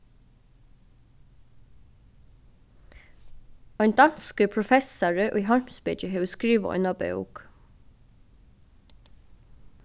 ein danskur professari í heimspeki hevur skrivað eina bók